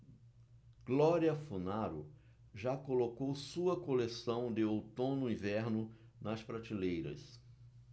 glória funaro já colocou sua coleção de outono-inverno nas prateleiras